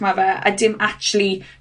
ma' fe a dim actually